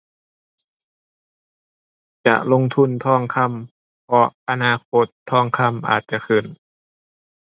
ก็ลงทุนทองคำ เพราะอนาคตทองคำอาจจะขึ้น